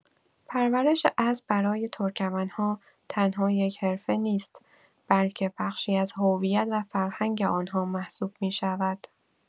پرورش اسب برای ترکمن‌ها تنها یک حرفه نیست، بلکه بخشی از هویت و فرهنگ آن‌ها محسوب می‌شود.